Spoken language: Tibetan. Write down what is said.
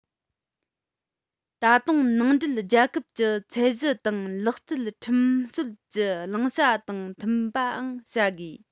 ད དུང ནང འདྲེན རྒྱལ ཁབ ཀྱི ཚད གཞི དང ལག རྩལ ཁྲིམས སྲོལ གྱི བླང བྱ དང མཐུན པའང བྱ དགོས